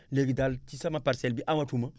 léegi daal ci sama parcelle bi amatuma